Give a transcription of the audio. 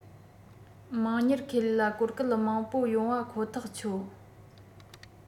དམངས གཉེར ཁེ ལས ལ གོ སྐབས མང པོ ཡོང བ ཁོ ཐག ཆོད